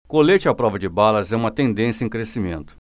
colete à prova de balas é uma tendência em crescimento